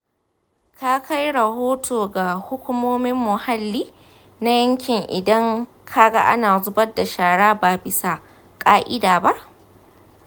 ka kai rahoto ga hukumomin muhalli na yankin idan ka ga ana zubar da shara ba bisa ka’ida ba.